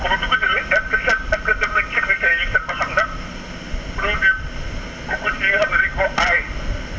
*** est ce que seet est ce que jox nañ techniciens yi ñu seet ba xam ndax produit bokkul si yi nga xam ne dañ koo aaye